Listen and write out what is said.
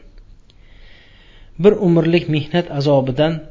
bir umrlik mehnat azobidan